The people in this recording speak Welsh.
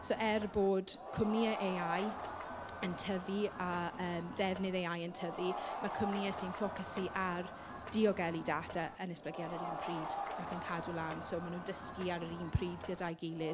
So er bod cwmnîau AI yn tyfu a yym defnydd {AI en} yn tyfu ma' cwmnîau sy'n ffocysu ar diogelu data yn esblygu ar yr un pryd ac yn cadw lan. So maen nhw'n dysgu ar yr un pryd gyda'i gilydd.